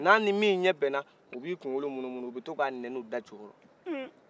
n'a munu-munu tɔ nin min ɲɛ bɛna o b'i kunkolo munu-munu ka to ka nenin a da jukɔrɔ